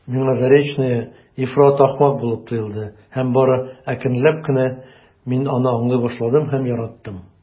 Миңа Заречная ифрат ахмак булып тоелды һәм бары әкренләп кенә мин аны аңлый башладым һәм яраттым.